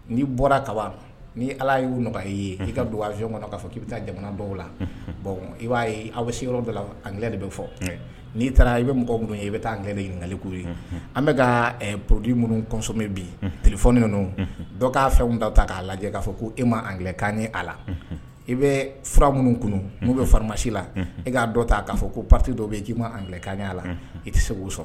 Ni'i bɔra ka bɔ ni ala y'u i ye'i ka dugawuway kɔnɔ k'a fɔ k'i bɛ taa jamanabaw la i b'a ye aw bɛ sigiyɔrɔ dɔ la an de bɛ fɔ n'i taara i bɛ mɔgɔ minnu ye i bɛ taa ɲininkagaliko ye an bɛ ka porodi minnu kɔsɔmɛ bi tfoni ninnu dɔ k'a fɛn da ta k'a lajɛ k'a fɔ ko e ma ankan a la i bɛ fura minnu kunun n'u bɛ farimasi la e k'a dɔ ta k'a fɔ ko pri dɔw bɛ'i maankan a la i tɛ se k'u sɔrɔ